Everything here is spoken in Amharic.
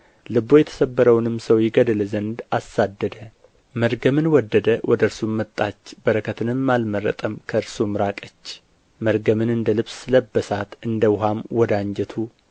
ልቡ የተሰበረውንም ሰው ይገድል ዘንድ አሳደደ መርገምን ወደደ ወደ እርሱም መጣች በረከትንም አልመረጠም ከእርሱም ራቀች መርገምን እንደ ልብስ ለበሳት እንደ ውኃም ወደ አንጀቱ